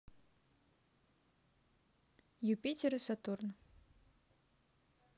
юпитер и сатурн